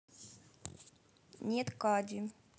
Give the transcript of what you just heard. нет кади